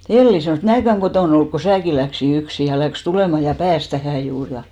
Elli sanoi minäkään kotona ollut kun sinäkin lähdit yksin ja lähti tulemaan ja pääsi tähän juuri ja